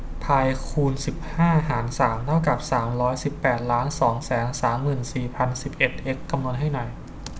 พายคูณสิบห้าหารสามเท่ากับสามร้อยสิบแปดล้านสองแสนสามหมื่นสี่พันสิบเอ็ดเอ็กซ์คำนวณให้หน่อย